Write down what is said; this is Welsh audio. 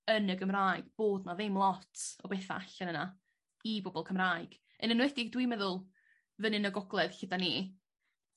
...yn y Gymraeg bod 'na ddim lot o betha allan yna i bobol Cymraeg yn enwedig dwi'n meddwl fyny yn y gogledd lle 'dan ni.